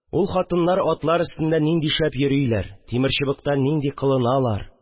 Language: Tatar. Ул хатыннар атлар өстендә нинди шәп йөриләр, тимерчыбыкта нинди кылыналар